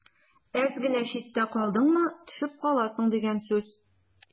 Әз генә читтә калдыңмы – төшеп каласың дигән сүз.